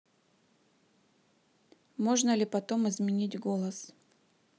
можно ли потом изменить голос